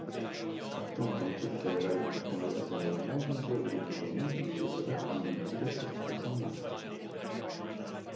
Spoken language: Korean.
각종 관측 결과를 바탕으로 계산해 보면 현재 우리 우주에는 물질보다 암흑물질이 다섯 배 이상 많다